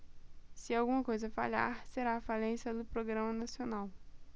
se alguma coisa falhar será a falência do programa nacional